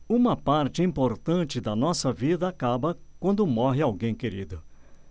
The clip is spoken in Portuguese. uma parte importante da nossa vida acaba quando morre alguém querido